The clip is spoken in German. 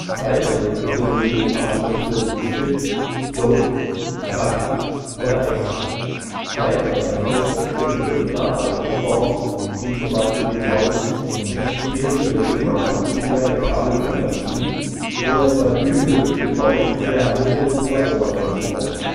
Weitere Synonyme für Haschisch sind Shit, Dope, Kanten oder Ecken, weitere Ausdrücke für bestimmte Darreichungsformen wie zum Beispiel den Joint existieren mit regionalen und dialektalen Unterschieden, so etwa Dübel für Joint eher im mittel - und oberdeutschen Raum